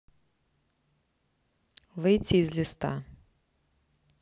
выйти из листа